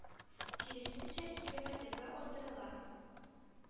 Киресенчә, ике мәртәбә арттырыла.